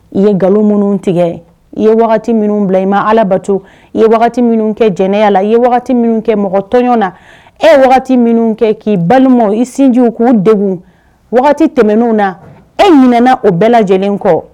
I ye nkalon minnu tigɛ i ye wagati minnu bila i ma ala bato ye wagati minnu kɛ jɛnɛ la ye wagati minnu kɛ mɔgɔ tɔnɔn na e ye wagati minnu kɛ k'i balimaw i sinjiw k'u de wagati tɛmɛnen na e ɲinɛna o bɛɛ lajɛlenlen kɔ